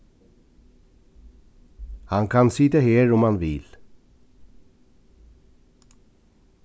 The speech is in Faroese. hann kann sita her um hann vil